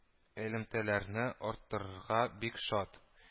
Элемтәләрне арттырырга бик шат"